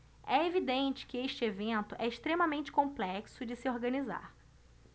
é evidente que este evento é extremamente complexo de se organizar